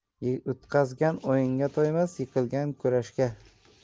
yutqazgan o'yinga to'ymas yiqilgan kurashga